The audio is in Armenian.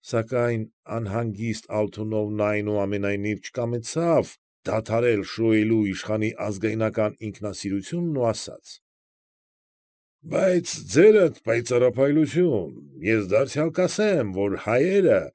Սակայն անհանգիստ Ալթունովն այնուամենայնիվ չկամեցավ դադարել շոյել իշխանի ազգայնական ինքասիրությունն ու ասաց. ֊ Բայց, ձերդ պայծառափայլություն, ե՛ս դարձյալ կասեմ, որ հայերը։